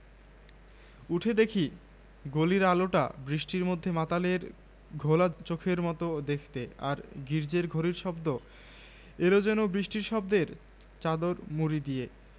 উঠে দেখি গলির আলোটা বৃষ্টির মধ্যে মাতালের ঘোলা চোখের মত দেখতে আর গির্জ্জের ঘড়ির শব্দ এল যেন বৃষ্টির শব্দের চাদর মুড়ি দিয়ে